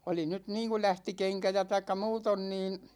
oli nyt niin kuin lähti kenkä ja tai muuten niin